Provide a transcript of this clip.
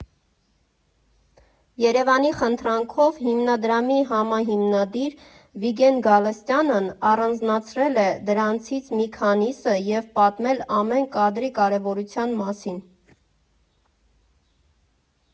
ԵՐԵՎԱՆի խնդրանքով հիմնադրամի համահիմնադիր Վիգեն Գալստյանն առանձնացրել է դրանցից մի քանիսը և պատմել ամեն կադրի կարևորության մասին։